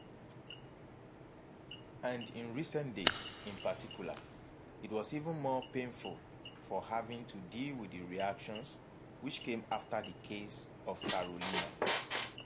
And in recent days, in particular, it was even more painful for having to deal with the reactions which came after the case of Carolina...